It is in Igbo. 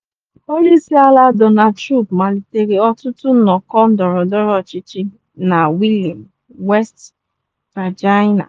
Onye Isi Ala Donald Trump malitere ọtụtụ nnọkọ ndọrọndọrọ ọchịchị na Wheeling, West Virginia.